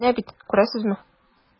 Менә бит, күрәсезме.